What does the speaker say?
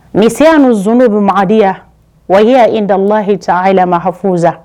Nin seya ni zundo bɛ maadiya wa i y' i dalahi cha fusa